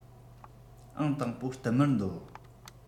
ཨང དང པོ བསྟུད མར འདོད